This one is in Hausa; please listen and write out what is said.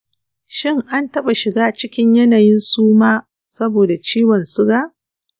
shin an taɓa shiga cikin yanayin suma saboda ciwon suga?